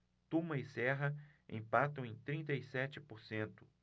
tuma e serra empatam em trinta e sete por cento